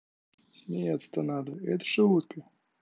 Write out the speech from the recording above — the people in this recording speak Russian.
смеяться то надо это шутка